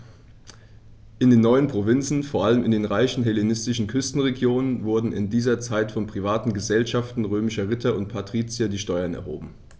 In den neuen Provinzen, vor allem in den reichen hellenistischen Küstenregionen, wurden in dieser Zeit von privaten „Gesellschaften“ römischer Ritter und Patrizier die Steuern erhoben.